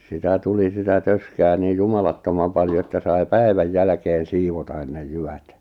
sitä tuli sitä töskää niin jumalattoman paljon että sai päivän jälkeen siivota ennen jyvät